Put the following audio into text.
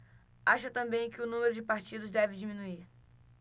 acha também que o número de partidos deve diminuir